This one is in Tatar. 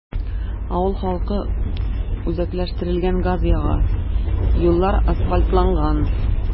Авыл халкы үзәкләштерелгән газ яга, юллар асфальтланган.